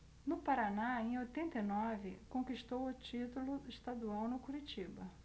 no paraná em oitenta e nove conquistou o título estadual no curitiba